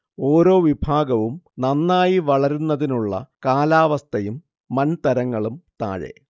ഓരോ വിഭാഗവും നന്നായി വളരുന്നതിനുള്ള കാലാവസ്ഥയും മൺതരങ്ങളും താഴെ